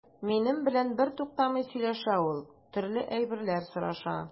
Минем белән бертуктамый сөйләшә ул, төрле әйберләр сораша.